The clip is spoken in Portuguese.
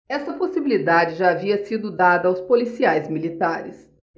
essa possibilidade já havia sido dada aos policiais militares